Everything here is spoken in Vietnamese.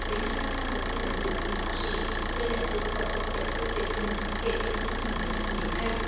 để nâng cao năng lực cho đội ngũ y bác sĩ về lĩnh vực phẫu thuật chấn thương chỉnh hình kể từ năm hai nghìn mười lăm đến nay